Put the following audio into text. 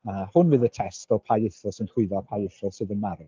A hwn fydd y test o pa ieithoedd sy'n llwyddo a pa ieithoedd sydd yn marw.